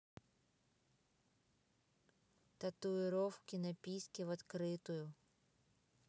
татуировки на письке в открытую